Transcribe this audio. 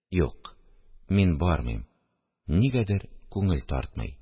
– юк, мин бармыйм, нигәдер күңел тартмый